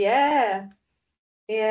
Ie ie.